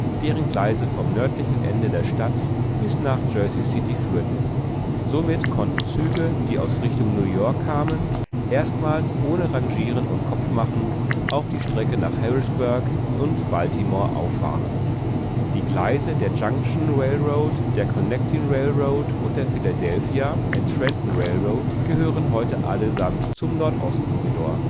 deren Gleise vom nördlichen Ende der Stadt bis nach Jersey City führten. Somit konnten Züge, die aus Richtung New York kamen, erstmals ohne Rangieren und Kopfmachen auf die Strecken nach Harrisburg und Baltimore auffahren. Die Gleise der Junction Railroad, der Connecting Railroad und der Philadelphia and Trenton Railroad gehören heute allesamt zum Nordost-Korridor